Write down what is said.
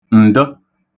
ǹdụ